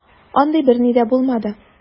Андый берни дә булмады.